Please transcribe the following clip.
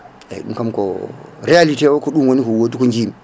eyyi ɗum kam ko réalité ko ɗum woni ko wodi ko jiimi